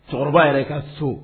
Cɛkɔrɔba yɛrɛ ka so